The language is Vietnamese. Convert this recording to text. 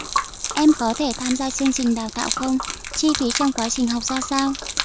em có thể tham gia chương trình đào tạo không chi phí trong quá trình học ra sao